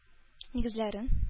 Нигезләрен